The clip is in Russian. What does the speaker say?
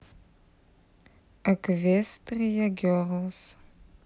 эквестрия герлз